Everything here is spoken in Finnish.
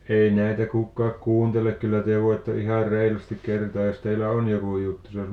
ei näitä kukaan kuuntele kyllä te voitte ihan reilusti kertoa jos teillä on joku juttu se olisi